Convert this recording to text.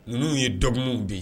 Ninnu ye dɔgɔkunw bɛ yen